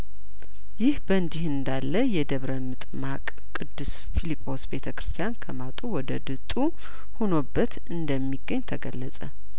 ይህ በእንዲህ እንዳለ የደብረምጥማቅ ቅዱስ ፊልጶስ ቤተ ክርስቲያን ከማጡ ወደ ድጡ ሁኖበት እንደሚገኝ ተገለጸ